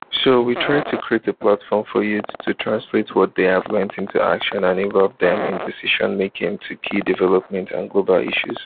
So, we try to create a platform for youth to translate what they have learnt into action and involve them in decision making on key developmental and global issues.